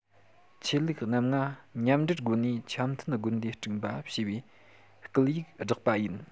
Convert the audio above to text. ཆོས ལུགས རྣམ ལྔ མཉམ སྤེལ སྒོ ནས འཆམ མཐུན དགོན སྡེ སྐྲུན པ ཞེས བའི སྐུལ ཡིག བསྒྲགས པ ཡིན